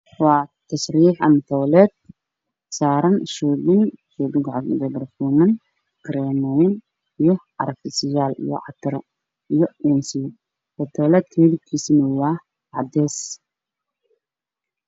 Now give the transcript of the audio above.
Waa arrimaajo midabkeedu yahay dahabi qaxay waxa ay leedahay muraayad qaanada ay leedahay